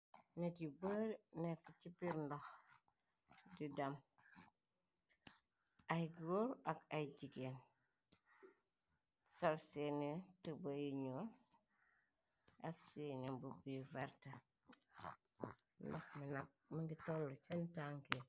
Nitt yu beurii neka chi birr ndokh dii dem, aiiy gorre ak aiiy gigain, sol sehni tubeiyy yu njull ak sehni mbubu yu vertah, ndokh bii nak mungy torlu cii sen tankah yii.